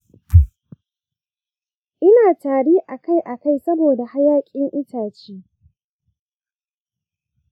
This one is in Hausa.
ina tari akai-akai saboda hayaƙin itace.